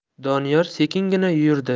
doniyor sekingina yurdi